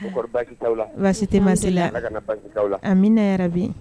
Basi te ma se amina yɛrɛ bi